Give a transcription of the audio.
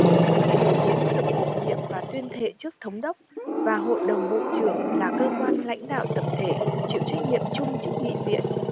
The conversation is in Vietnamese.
thủ hiến được bổ nhiệm và tuyên thệ trước thống đốc và hội đồng bộ trưởng là cơ quan lãnh đạo tập thể chịu trách nhiệm chung trước nghị viện